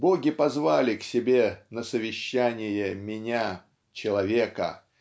боги позвали к себе на совещание меня человека